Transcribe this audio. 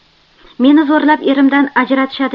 meni zo'rlab erimdan ajratishadi